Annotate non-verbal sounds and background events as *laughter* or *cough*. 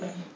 *hesitation* *hesitation*